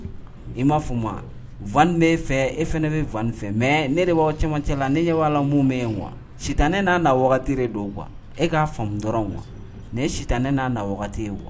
I m'a fɔ vin fɛ e fana ne bɛ vin fɛ mɛ ne de b'aw camancɛ la ne yewalamu bɛ yen si tan ne n'a na don e'a fa dɔrɔn sitan ne n'a na wa